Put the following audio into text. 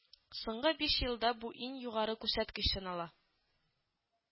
Соңгы биш елда бу иң югары күрсәткеч санала